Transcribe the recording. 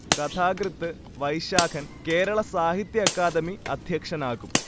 കഥാകൃത്ത് വൈശാഖൻ കേരള സാഹിത്യ അക്കാദമി അദ്ധ്യക്ഷനാകും